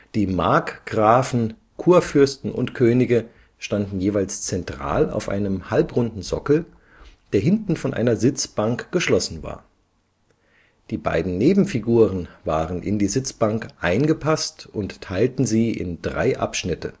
Die Markgrafen, Kurfürsten und Könige standen jeweils zentral auf einem halbrunden Sockel, der hinten von einer Sitzbank geschlossen war. Die beiden Nebenfiguren waren in die Sitzbank eingepasst und teilten sie in drei Abschnitte